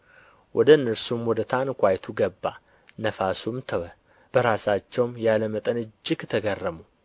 ወደ እነርሱም ወደ ታንኳይቱ ገባ ነፋሱም ተወ በራሳቸውም ያለ መጠን እጅግ ተገረሙ